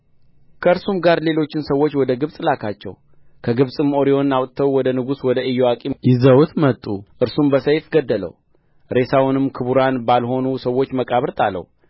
ከእርሱም ጋር ሌሎችን ሰዎች ወደ ግብጽ ላካቸው ከግብጽም ኦርዮን አውጥተው ወደ ንጉሡ ወደ ኢዮአቄም ይዘውት መጡ እርሱም በሰይፍ ገደለው ሬሳውንም ክቡራን ባልሆኑ ሰዎች መቃብር ጣለው